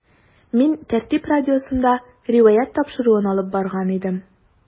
“мин “тәртип” радиосында “риваять” тапшыруын алып барган идем.